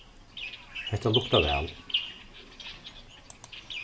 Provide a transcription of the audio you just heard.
hetta luktar væl